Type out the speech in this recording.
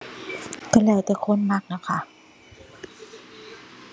ก็แล้วแต่คนมักเนาะค่ะ